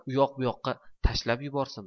uyoq buyoqqa tashlab yuborsinmi